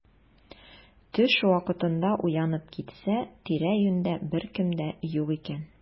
Төш вакытында уянып китсә, тирә-юньдә беркем дә юк икән.